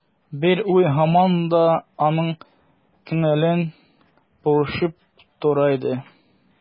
Бер уй һаман да аның күңелен борчып тора иде.